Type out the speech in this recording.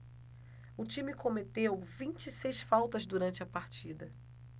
o time cometeu vinte e seis faltas durante a partida